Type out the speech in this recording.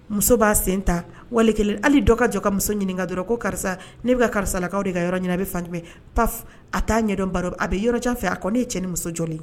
Muso b'a sen ta wali kelen hali dɔ ka jɔ ka muso ɲini ka dɔrɔn ko karisa ne ka karisakaw de ka yɔrɔ ɲini a bɛ fanfɛ pan a taa ɲɛdɔn baro a bɛ yɔrɔjan janfɛ a ko ne ye cɛ ni muso jɔ ye